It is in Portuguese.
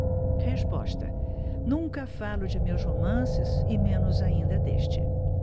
resposta nunca falo de meus romances e menos ainda deste